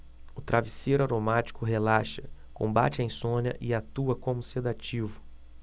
o travesseiro aromático relaxa combate a insônia e atua como sedativo